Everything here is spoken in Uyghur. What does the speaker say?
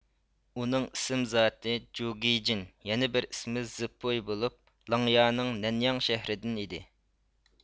ئۇنىڭ ئىسىم زاتى جۇگېجىن يەنە بىر ئىسمى زىپۇي بولۇپ لاڭيانىڭ نەنياڭ شەھىرىدىن ئىدى